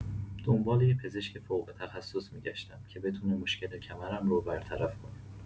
دنبال یه پزشک فوق‌تخصص می‌گشتم که بتونه مشکل کمرم رو برطرف کنه.